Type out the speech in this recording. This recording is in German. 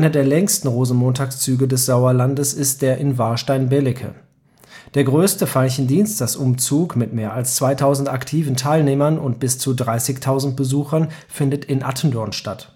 der längsten Rosenmontagszüge des Sauerlandes ist der in Warstein-Belecke. Der größte Veilchendienstags-Umzug, mit mehr als 2000 aktiven Teilnehmern und bis zu 30.000 Besuchern, findet in Attendorn statt